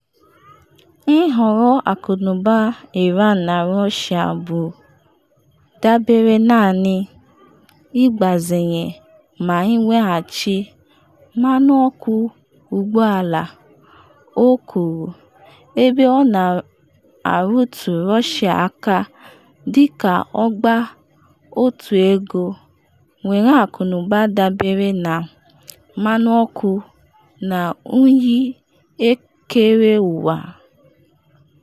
“Nhọrọ akụnụba Iran na Russia bụ, dabere naanị, ịgbazinye na iweghachi mmanụ ọkụ ụgbọ ala,” o kwuru, ebe ọ na-arụtụ Russia aka dị ka “ọgba otu egwu” nwere akụnụba dabere na mmanụ ọkụ na unyi ekereụwa.